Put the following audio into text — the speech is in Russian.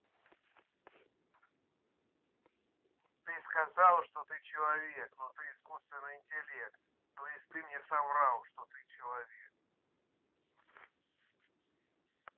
ты сказал что ты человек но ты искусственный интеллект то есть ты мне соврал что ты человек